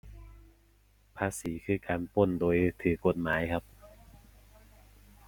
ภาษี คือ การปล้นโดยถูกกฎหมายครับ